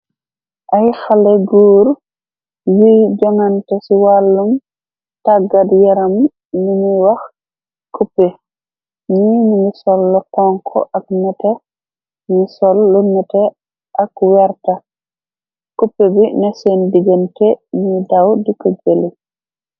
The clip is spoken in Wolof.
Ay xale guur yuy jongante ci wàllum tàggat yaram ninuy wax kupe. Ni ngi sol lu xonxo ak nete ni sol lu nete ak werta , cupe bi ne seen digante ñuy daw di kë jeli.